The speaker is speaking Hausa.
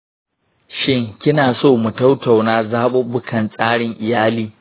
shin kina so mu tattauna zaɓuɓɓukan tsarin iyali?